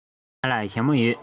ང ལ ཞྭ མོ ཡོད